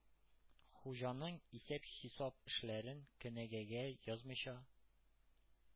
Хуҗаның исәп-хисап эшләрен кенәгәгә язмыйча,